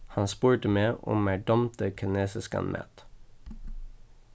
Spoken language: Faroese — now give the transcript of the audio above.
hann spurdi meg um mær dámdi kinesiskan mat